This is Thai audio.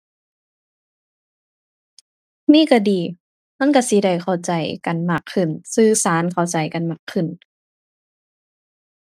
มีก็ดี มันกะสิได้เข้าใจกันมากขึ้น สื่อสารเข้าใจกันมากขึ้น